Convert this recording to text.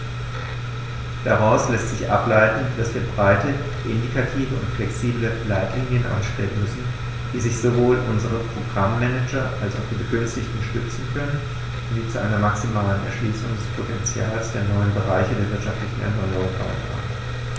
Daraus lässt sich ableiten, dass wir breite, indikative und flexible Leitlinien anstreben müssen, auf die sich sowohl unsere Programm-Manager als auch die Begünstigten stützen können und die zu einer maximalen Erschließung des Potentials der neuen Bereiche der wirtschaftlichen Erneuerung beitragen.